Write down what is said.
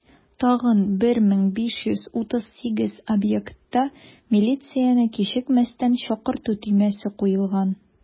Тагын 1538 объектта милицияне кичекмәстән чакырту төймәсе куелган.